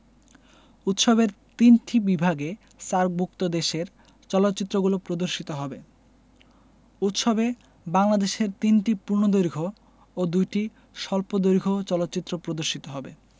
উৎসবের তিনটি বিভাগে সার্কভুক্ত দেশের চলচ্চিত্রগুলো প্রদর্শিত হবে উৎসবে বাংলাদেশের ৩টি পূর্ণদৈর্ঘ্য ও ২টি স্বল্পদৈর্ঘ্য চলচ্চিত্র প্রদর্শিত হবে